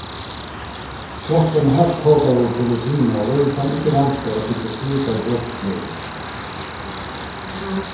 sjálvt ein harðkókaður politimaður kann ikki vænta at síggja slíkar brotsgerðir